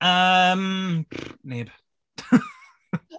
Yym neb .